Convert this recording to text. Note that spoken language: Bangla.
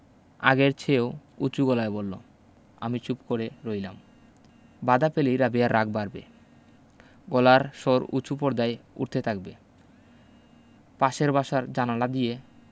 আগের চেয়েও উচু গলায় বললো আমি চুপ করে রইলাম বাদা পেলেই রাবেয়ার রাগ বাড়বে গলার স্বর উচু পর্দায় উঠতে থাকবে পাশের বাসার জানালা দিয়ে